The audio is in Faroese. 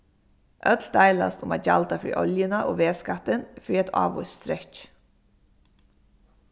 øll deilast um at gjalda fyri oljuna og vegskattin fyri eitt ávíst strekki